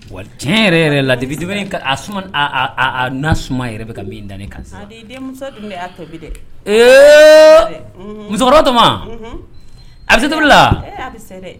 Wa tiɲɛ yɛrɛ yɛrɛ la debi na suma yɛrɛ bɛ ka bin dan kan musokɔrɔbakɔrɔ tɔ a bɛ seto la